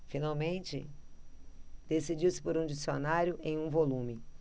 finalmente decidiu-se por um dicionário em um volume